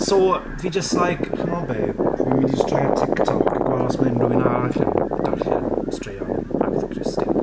So, fi jyst like chimod be? Fi'n mynd i jyst troi at TikTok a gweld os ma' unrhyw un arall yn darllen straeon Agatha Christie.